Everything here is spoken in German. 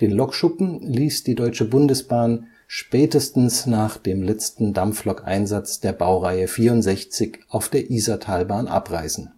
Lokschuppen ließ die Deutsche Bundesbahn spätestens nach dem letzten Dampflokeinsatz der Baureihe 64 auf der Isartalbahn abreißen